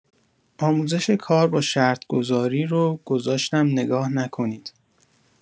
آموزش کار با شرط گذاری رو گذاستم نگاه نکنید